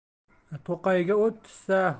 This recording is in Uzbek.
to'qayga o't tushsa